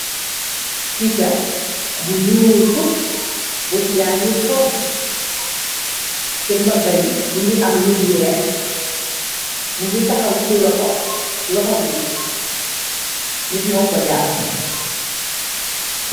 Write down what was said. Picha bu ñuul cuk bout ya ngi honku, ci mbagga yi ñu ngi am lu weeh. Mu ngi tahaw ci loho, loho nit. Nit mo ko jàpp.